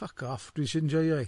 Fuck off, dwi isio enjoio'i.